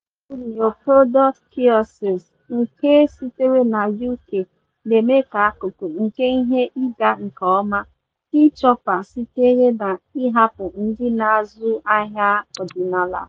Blọọgụ NeoProducts Kiosks, nke sitere na UK, na-eme ka akụkụ nke ihe ịga nke ọma eChoupal sitere na ịhapụ ndị na-azụ ahịa ọdịnala.